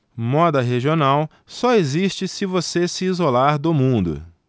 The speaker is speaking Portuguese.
moda regional só existe se você se isolar do mundo